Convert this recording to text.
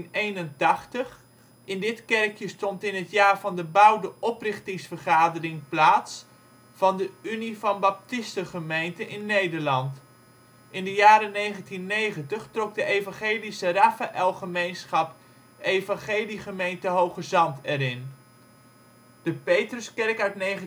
1881). In dit kerkje vond in het jaar van de bouw de oprichtingsvergadering plaats van de Unie van Baptistengemeenten in Nederland. In de jaren 1990 trok de evangelische Rafael Gemeenschap Evangelie Gemeente Hoogezand erin. De Petruskerk (1995